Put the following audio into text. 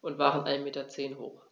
und waren 1,1 m hoch.